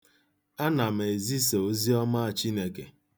Ana m ezisa Oziọma Chineke.